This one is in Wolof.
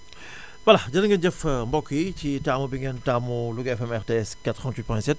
voilà jërë ngeen jëf mbokk yi ci taamu bi ngeen taamu Louga FM RTS 88.7